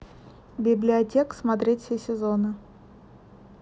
библиотекарь смотреть все сезоны